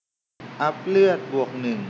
อัพเลือดบวกหนึ่ง